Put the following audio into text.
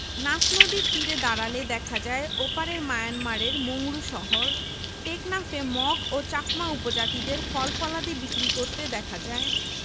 নাফ নদীর তীরে দাঁড়ালে দেখা যায় ওপারের মায়ানমারের মংড়ু শহর টেকনাফে মগ ও চাকমা উপজাতিদের ফল ফলাদি বিক্রি করতে দেখা যায়